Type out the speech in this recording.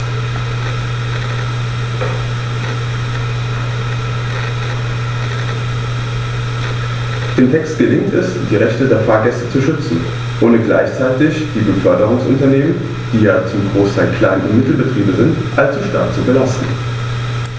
Dem Text gelingt es, die Rechte der Fahrgäste zu schützen, ohne gleichzeitig die Beförderungsunternehmen - die ja zum Großteil Klein- und Mittelbetriebe sind - allzu stark zu belasten.